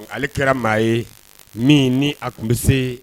Ale kɛra maa ye min ni a tun bɛ se